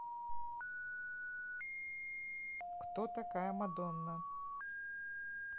кто такая мадонна